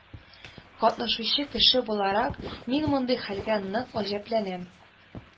Катнашучы кеше буларак, мин мондый хәлгә нык гаҗәпләнәм